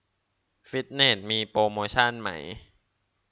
ฟิตเนสมีโปรโมชั่นไหม